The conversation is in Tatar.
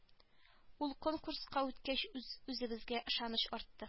Ул конкурска үткәч үз-үзебезгә ышаныч артты